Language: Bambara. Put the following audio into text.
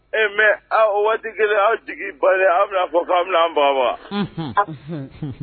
E mɛ waati kelen an jigi ba an bɛna fɔ k' bɛan ban wa